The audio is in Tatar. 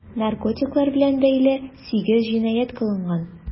Наркотиклар белән бәйле 8 җинаять кылынган.